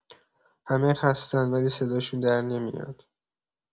همه خسته‌ان ولی صداشون درنمیاد.